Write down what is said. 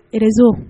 Rezo